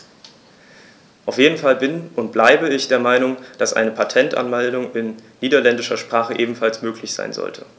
Auf jeden Fall bin - und bleibe - ich der Meinung, dass eine Patentanmeldung in niederländischer Sprache ebenfalls möglich sein sollte.